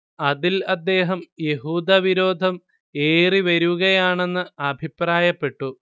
അതിൽ അദ്ദേഹം യഹൂദവിരോധം ഏറിവരുകയാണെന്ന് അഭിപ്രായപ്പെട്ടു